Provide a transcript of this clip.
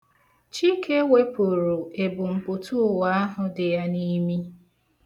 Chike wepụru ebumpụtụụwa ahụ dị ya n'imi.